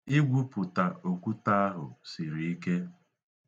Igwupụta okwute ahụ siri ike.